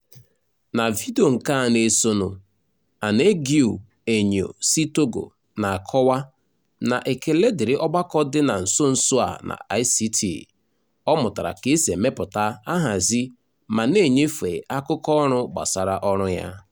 Ọrụ ngo Madagascar, Bekoto Paysans yiri onwe ha na-agbado ụkwụ ichekwa ùgwù na nsọpụrụ ndị ọrụugbo Malagasy, kwupụta ihe ndị ha na-emegasị kwa ụbọchị ma ihe ịma aka mgba nyere ha.